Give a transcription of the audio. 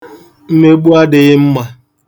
Mmegbu adịghị mma.